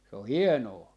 se on hienoa